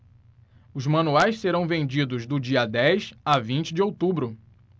os manuais serão vendidos do dia dez a vinte de outubro